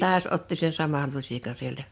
taas otti sen saman lusikan sieltä